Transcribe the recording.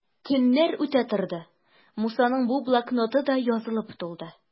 Көннәр үтә торды, Мусаның бу блокноты да язылып тулды.